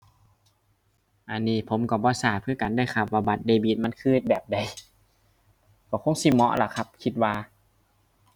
อันนี้ผมก็บ่ทราบคือกันเด้อครับว่าบัตรเดบิตมันคือแบบใด ก็คงสิเหมาะล่ะครับคิดว่า